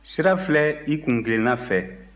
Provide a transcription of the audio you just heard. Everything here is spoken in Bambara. sira filɛ i kuntilenna fɛ